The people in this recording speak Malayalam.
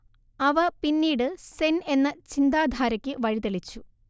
അവ പിന്നീട് സെൻ എന്ന ചിന്താധാരക്ക് വഴിതെളിച്ചു